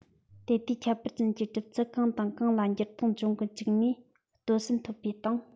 དེ དུས ཁྱད པར ཅན གྱི གྲུབ ཚུལ གང དང གང ལ འགྱུར ལྡོག འབྱུང གི བཅུག ནས ལྟོ ཟན ཐོབ པའི སྟེང